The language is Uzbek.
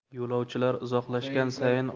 yo'lovchilar uzoqlashgan sayin